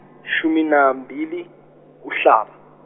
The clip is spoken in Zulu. shumi nambili, Uhlaba.